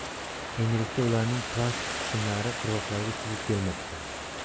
endilikda ularning plastik qismlari qirg'oqlarga suzib kelmoqda